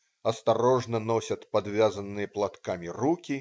Осторожно носят подвязанные платками руки.